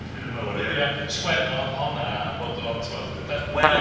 Mawr ie... 'Sgwennodd honna a bod o'n ti'mod. ...Wel